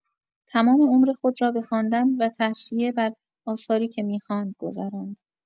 تمام عمر خود را به خواندن و تحشیه بر آثاری که می‌خواند، گذراند.